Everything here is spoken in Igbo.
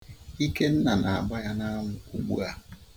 Ikenna na-agba ya n'anwu ugbua.